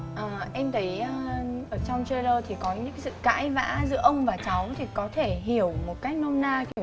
em thấy ở trong chai lơ thì có những cái sự cãi vã giữa ông và cháu thì có thể hiểu một cách nôm na